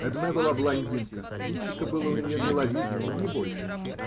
Эдмэ была блондинка, личико было у нее миловидное, не больше.